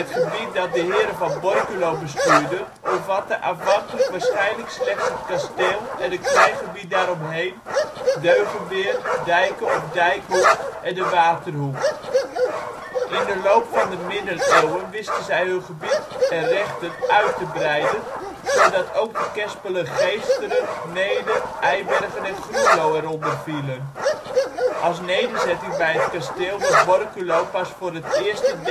gebied dat de heren van Borculo bestuurden omvatte aanvankelijk waarschijnlijk slechts het kasteel en een klein gebied daar omheen (Deugenweerd, Dijcke of Dijkhoek en de Waterhoek). In de loop van de Middeleeuwen wisten zij hun gebied en rechten uit te breiden, zodat ook de kerspelen Geesteren, Neede, Eibergen en Groenlo er onder vielen. Als nederzetting bij het kasteel wordt Borculo pas voor het eerst in